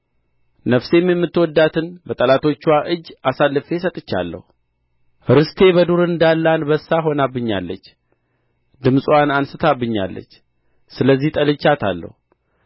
ነፍሴም የምትወድዳትን በጠላቶችዋ እጅ አሳልፌ ሰጥቻለሁ ርስቴ በዱር እንዳለ አንበሳ ሆናብኛለች ድምፅዋን አንሥታብኛለች ስለዚህ ጠልቻታለሁ